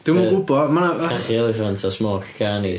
Dwi'm yn gwbod mae 'na... Cachu eliffant a smoke carnies.